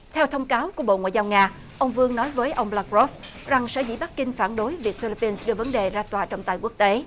theo thông cáo của bộ ngoại giao nga ông vương nói với ông láp róp rằng sở dĩ bắc kinh phản đối việc phi líp pin đưa vấn đề ra tòa trọng tài quốc tế